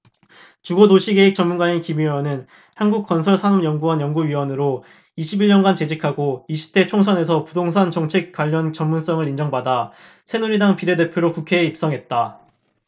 주거 도시계획 전문가인 김 의원은 한국건설산업연구원 연구위원으로 이십 일 년간 재직하고 이십 대 총선에서 부동산 정책 관련 전문성을 인정받아 새누리당 비례대표로 국회에 입성했다